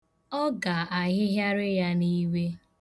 Ọ ga-ahịgharị ya n'iwe.